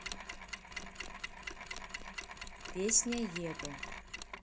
песня ego